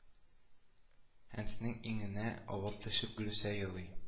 Әнисенең иңенә авып төшеп гөлүсә елый